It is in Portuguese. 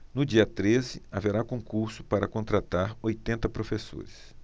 no dia treze haverá concurso para contratar oitenta professores